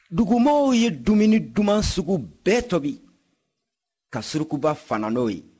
dugumɔgɔ ye dumuni duman sugu bɛɛ tobi ka surukuba fana n'o ye